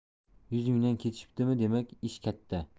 yuz mingdan kechishibdimi demak ish katta